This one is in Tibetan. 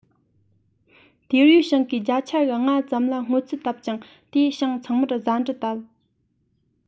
དེར ཡོད ཞིང གའི བརྒྱ ཆ ལྔ ཙམ ལ སྔོ ཚལ བཏབ ཅིང དེ བྱིངས ཚང མར བཟའ འབྲུ བཏབ